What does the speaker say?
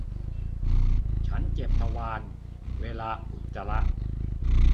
ฉันเจ็บทวารเวลาอุจจาระ